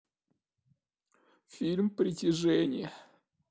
фильм притяжение